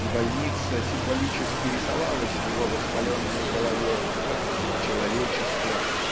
и больница символически рисовалась его воспаленной голове как все человечество